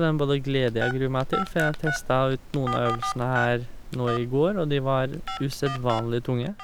Den både gleder jeg og gruer meg til, for jeg testa ut noen av øvelsene her nå i går, og de var usedvanlig tunge.